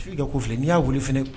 Fifi ka ko filɛ ni ya wele fɛnɛ